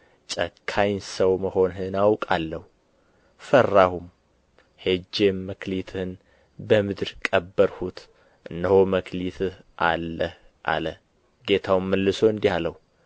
ጨካኝ ሰው መሆንህን አውቃለሁ ፈራሁም ሄጄም መክሊትህን በምድር ቀበርሁት እነሆ መክሊትህ አለህ አለ ጌታውም መልሶ እንዲህ አለው